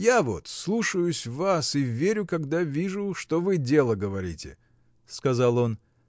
— Я вот слушаюсь вас и верю, когда вижу, что вы дело говорите, — сказал он.